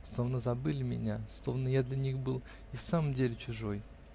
словно забыли меня, словно я для них был и в самом деле чужой!